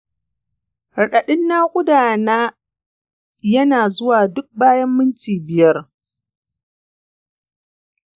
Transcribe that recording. raɗaɗdin naƙuda na yana zuwa duk bayan minti biyar.